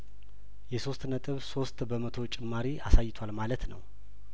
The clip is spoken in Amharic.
የሶስት ነጥብ ሶስት በመቶ ጭማሪ አሳይቷል ማለት ነው